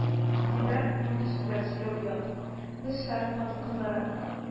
Дилбәр, Мондый сүзләр сөйләү оят. Без, шәрык хатын-кызлары